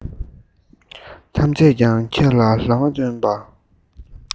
ཐམས ཅད ཀྱང ཁྱེད ལ མ བསྟེན པར